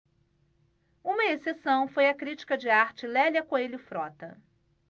uma exceção foi a crítica de arte lélia coelho frota